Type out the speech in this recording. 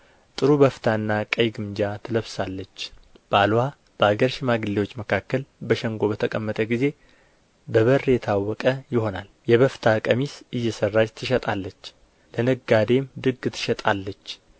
ጥሩ በፍታና ቀይ ግምጃ ትለብሳለች ባልዋ በአገር ሽማግሌዎች መካከል በሸንጎ በተቀመጠ ጊዜ በበር የታወቀ ይሆናል የበፍታ ቀሚስ እየሠራች ትሸጣለች ለነጋዴም ድግ ትሸጣለች